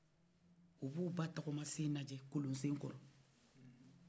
o b'o ba tama sen lajɛ kolo sen kɔrɔ